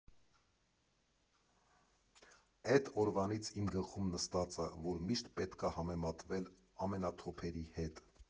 Էդ օրվանից իմ գլխում նստած ա, որ միշտ պետք ա համեմատվել ամենաթոփերի հետ։